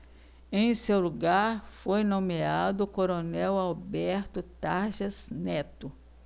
em seu lugar foi nomeado o coronel alberto tarjas neto